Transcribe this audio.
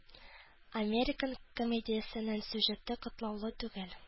«американ» комедиясенең сюжеты катлаулы түгел.